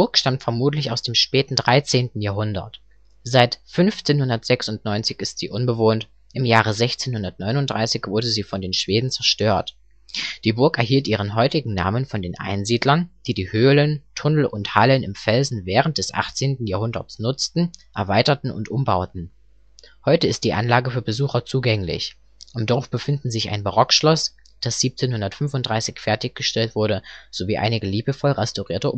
stammt vermutlich aus dem späten 13. Jahrhundert. Seit 1596 ist sie unbewohnt, im Jahre 1639 wurde sie von den Schweden zerstört. Die Burg erhielt ihren heutigen Namen von den Einsiedlern, die die Höhlen, Tunnel und Hallen im Felsen während des 18. Jahrhunderts nutzten, erweiterten und umbauten. Heute ist die Anlage für Besucher zugänglich. Im Dorf befinden sich ein Barockschloss, das 1735 fertiggestellt wurde, sowie einige liebevoll restaurierte